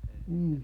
mm